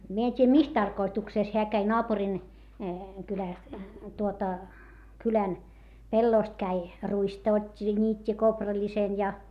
minä en tiedä missä tarkoituksessa hän kävi naapurin kylästä tuota kylän pellosta kävi ruista otti ja niitti kourallisen ja